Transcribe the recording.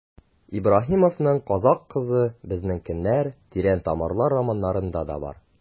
Ибраһимовның «Казакъ кызы», «Безнең көннәр», «Тирән тамырлар» романнарында да бар.